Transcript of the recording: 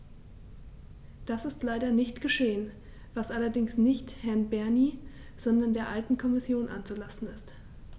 Das ist leider nicht geschehen, was allerdings nicht Herrn Bernie, sondern der alten Kommission anzulasten ist.